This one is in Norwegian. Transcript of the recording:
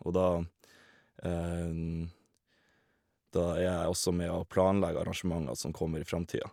Og da da er jeg også med og planlegger arrangementer som kommer i fremtiden.